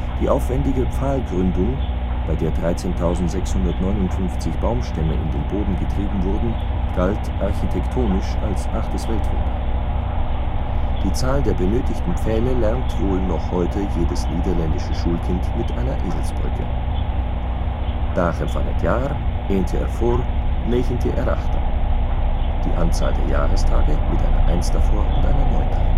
Die aufwändige Pfahlgründung, bei der 13.659 Baumstämme in den Boden getrieben wurden, galt architektonisch als achtes Weltwunder. Die Zahl der benötigten Pfähle lernt wohl noch heute jedes niederländische Schulkind mit einer Eselsbrücke: dagen van het jaar, eentje ervoor, negentje erachter („ Die Anzahl der Jahrestage mit einer Eins davor und einer Neun dahinter “). Für